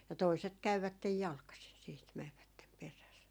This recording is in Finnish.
ja toiset kävivät jalkaisin sitten menivät perässä